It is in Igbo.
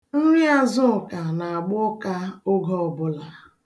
Nri Azụka na-agba ụka oge ọbụla.